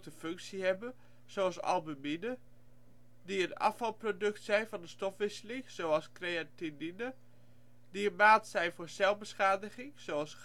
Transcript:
functie hebben, zoals albumine, die een afvalproduct zijn van de stofwisseling, zoals kreatinine, die een maat zijn voor celbeschadiging, zoals